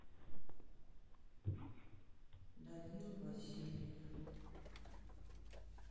данил васильев